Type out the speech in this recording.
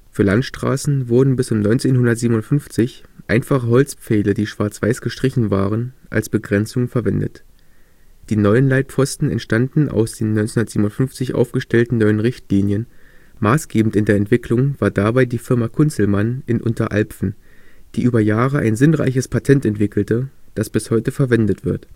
Für Landstraßen wurden bis um 1957 einfache Holzpfähle, die schwarz – weiß gestrichen waren als Begrenzung verwendet. Die neuen Leitpfosten entstanden aus den 1957 aufgestellten neuen Richtlinien; maßgebend in der Entwicklung war dabei die Firma Kunzelmann in Unteralpfen, die über Jahre ein sinnreiches Patent entwickelte, das bis heute verwendet wird